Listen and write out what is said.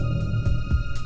mình